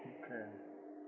eyyi